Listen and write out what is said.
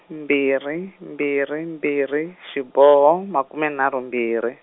mbirhi, mbirhi, mbirhi, xiboho, makume nharhu mbirhi.